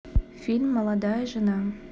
фильм молодая жена